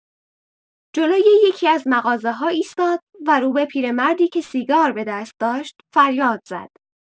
جلوی یکی‌از مغازه‌ها ایستاد و رو به پیرمردی که سیگار به دست داشت فریاد زد!